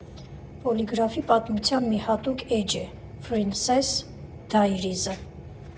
Պոլիգրաֆի պատմության մի հատուկ էջ է Փրինսես Դայրիզը։